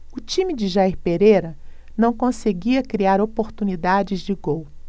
o time de jair pereira não conseguia criar oportunidades de gol